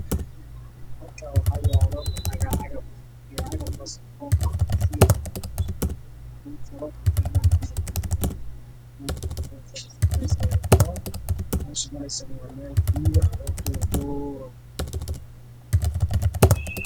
Meeshan waxaa iiga muuqata agaf cagafoo beerfalayso oo midabkeedu yahay madow ciid ay gureysaa